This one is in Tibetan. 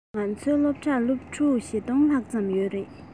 ང ཚོའི སློབ གྲྭར སློབ ཕྲུག ༤༠༠༠ ལྷག ཙམ ཡོད རེད